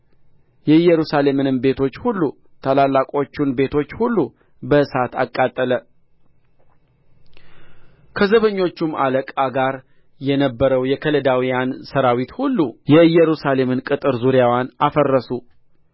የኢየሩሳሌምንም ቤቶች ሁሉ ታላላቆቹን ቤቶች ሁሉ በእሳት አቃጠለ ከዘበኞቹም አለቃ ጋር የነበረው የከለዳውያን ሠራዊት ሁሉ የኢየሩሳሌምን ቅጥር ዙሪያዋን አፈረሱ